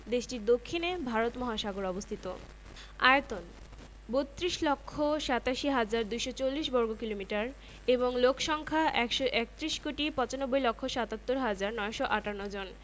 দেশটির দক্ষিণে ভারত মহাসাগর অবস্থিত আয়তন ৩২ লক্ষ ৮৭ হাজার ২৪০ বর্গ কিমি এবং লোক সংখ্যা ১৩১ কোটি ৯৫ লক্ষ ৭৭ হাজার ৯৫৮ জন